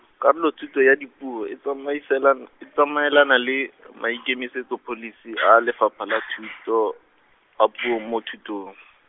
karolothuto ya dipuo e tsamaisalan- , e tsamaelana le, maikemisetso pholisi a Lefapha la Thuto, a puo mo thutong.